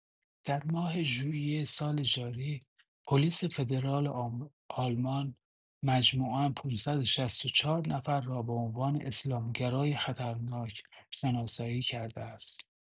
در ماه ژوئیه سال جاری، پلیس فدرال آلمان مجموعا ۵۶۴ نفر را به عنوان اسلامگرای خطرناک شناسایی کرده است.